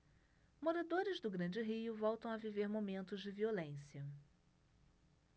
moradores do grande rio voltam a viver momentos de violência